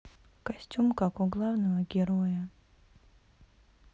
костюм как у главного героя